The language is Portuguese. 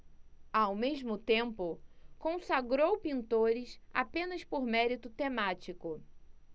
ao mesmo tempo consagrou pintores apenas por mérito temático